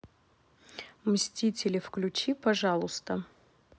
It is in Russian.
мстители включи пожалуйста